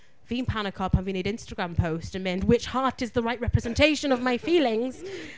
Fi'n panico pan fi'n wneud Instagram post yn mynd which heart is the right representation of my feelings?